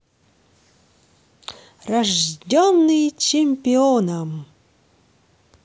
рожденный чемпионом